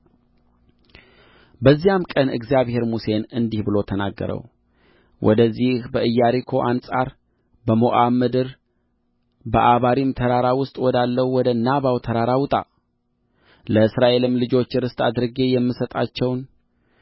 በዚያም ቀን እግዚአብሔር ሙሴን እንዲህ ብሎ ተናገረው ወደዚህ በኢያሪኮ አንጻር በሞዓብ ምድር በዓባሪም ተራራ ውስጥ ወዳለው ወደ ናባው ተራራ ውጣ ለእስራኤልም ልጆች ርስት አድርጌ የምሰጣቸውን